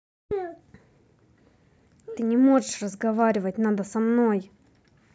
ты не можешь разговаривать надо со мной